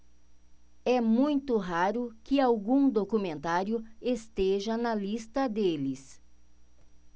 é muito raro que algum documentário esteja na lista deles